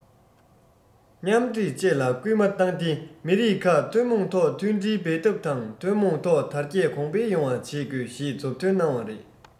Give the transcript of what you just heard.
མཉམ འདྲེས བཅས ལ སྐུལ མ བཏང སྟེ མི རིགས ཁག ཐུན མོང ཐོག མཐུན སྒྲིལ འབད འཐབ དང ཐུན མོང ཐོག དར རྒྱས གོང འཕེལ ཡོང བ བྱེད དགོས ཞེས མཛུབ སྟོན གནང བ རེད